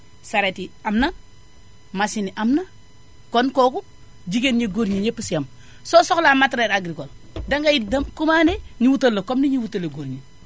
charettes yi am na machines yi am na kon kooku jigéen ñeeg góor ñi ñépp a si yam soo soxlaa matériels agricoles dangay dem commandé ñu wutal la comme ni ñuy wutalee góor ñi